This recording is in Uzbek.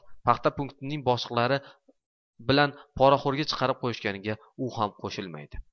paxta punktining boshliqlari bilan poraxo'rga chiqarib qo'yishganiga u ham qo'shilmaydi